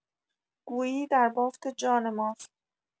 گویی در بافت جان ماست.